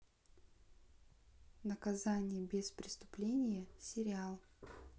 наказание без преступления сериал